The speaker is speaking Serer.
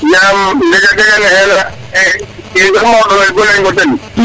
yam dega dega neex yala ye saq ma ndemes bo ley ngo ten